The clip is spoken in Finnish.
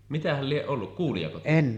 mitähän lie ollut kuulitteko te